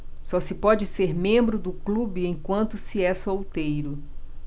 só se pode ser membro do clube enquanto se é solteiro